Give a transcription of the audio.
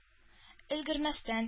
Өлгермәстән